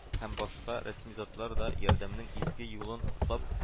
Һәм башка рәсми затлар да “ярдәм”нең изге юлын хуплап